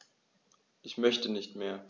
Ich möchte nicht mehr.